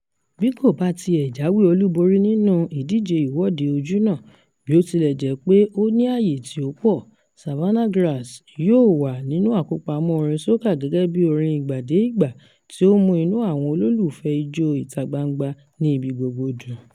Bí kò bá ti ẹ̀ jáwé olúborí nínú ìdíje Ìwọ́de Ojúnà (bí ó ti lẹ̀ jé pé ó ní àyè tí ó pọ̀!), "Savannah Grass" yóò wà nínú àkópamọ́ orin soca gẹ́gẹ́ bí orin ìgbà-dé-ìgbà tí ó mú inú àwọn olólùfẹ́ẹ Ijó ìta-gbangba ní ibi gbogbo dùn.